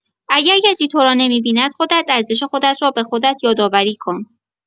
اگر کسی تو را نمی‌بیند، خودت ارزش خودت را به خودت یادآوری کن.